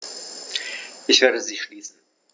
Ich werde sie schließen.